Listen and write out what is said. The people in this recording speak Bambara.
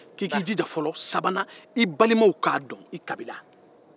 saban k'i k'i jija i balimaw k'a dɔn